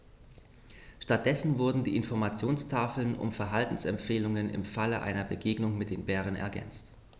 Stattdessen wurden die Informationstafeln um Verhaltensempfehlungen im Falle einer Begegnung mit dem Bären ergänzt.